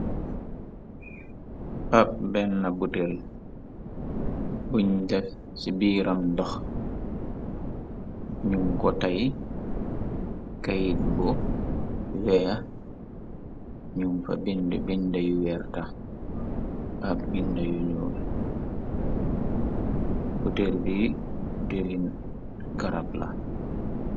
Ab bena butel buñ def ci biiram ndox ñugku tay kayit bu weex ñugfa bede bede yu werta ak bede yu ñuul butel bi butele garab la.